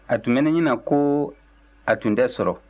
a tun bɛ ne ɲɛna ko a tun tɛ sɔrɔ